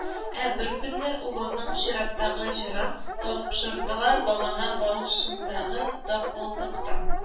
- ә беркөнне улының чираттагы җырын тапшырдылар багана башындагы «такылдыктан»